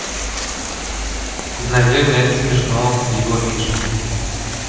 наверное это смешно его миша